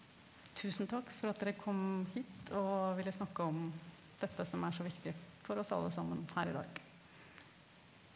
tusen takk for at dere kom hit og ville snakke om dette som er så viktig for oss alle sammen her i dag.